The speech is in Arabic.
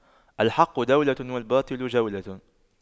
الحق دولة والباطل جولة